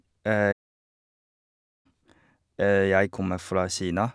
Jeg kommer fra Kina.